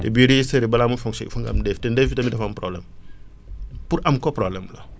te biodigesteur yi balaa muy fonctionner il foog nga am ndéef te ndéef yi tamit dafa am problème pour am ko problème la